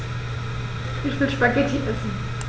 Ich will Spaghetti essen.